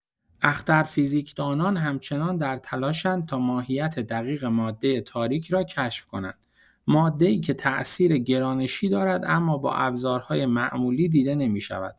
اخترفیزیکدانان همچنان در تلاش‌اند تا ماهیت دقیق ماده تاریک را کشف کنند، ماده‌ای که تاثیر گرانشی دارد اما با ابزارهای معمولی دیده نمی‌شود.